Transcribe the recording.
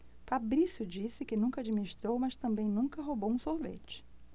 fabrício disse que nunca administrou mas também nunca roubou um sorvete